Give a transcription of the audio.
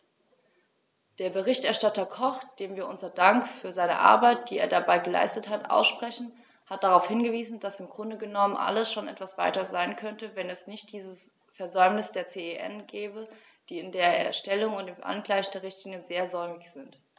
Der Berichterstatter Koch, dem wir unseren Dank für seine Arbeit, die er dabei geleistet hat, aussprechen, hat darauf hingewiesen, dass im Grunde genommen alles schon etwas weiter sein könnte, wenn es nicht dieses Versäumnis der CEN gäbe, die in der Erstellung und dem Angleichen der Richtlinie sehr säumig sind.